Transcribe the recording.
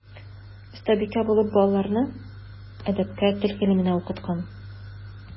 Остабикә булып балаларны әдәпкә, тел гыйлеменә укыткан.